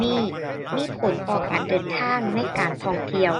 มี มีผลต่อการเดินทางในการท่องเที่ยว